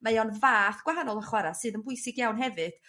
mae o'n fath gwahanol o chwara sydd yn bwysig iawn hefyd